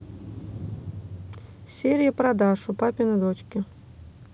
серии про дашу папины дочки